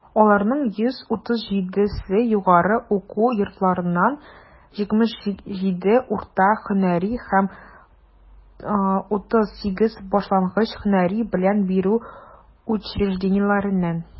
Аларның 137 се - югары уку йортларыннан, 77 - урта һөнәри һәм 38 башлангыч һөнәри белем бирү учреждениеләреннән.